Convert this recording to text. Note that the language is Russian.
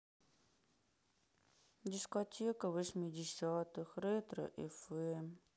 дискотека восьмидесятых ретро фм